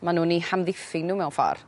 ma' nw'n 'u hamddiffyn n'w mewn ffor.